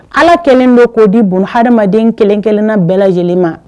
Ala kɛlen bɛ ko di jɔn haden kelen kelenna bɛɛ lajɛlen ma